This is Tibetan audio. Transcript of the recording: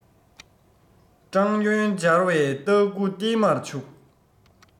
སྦྲང སྨྱོན སྦྱར བས རྟགས བསྐུ ཏིལ མར བྱུགས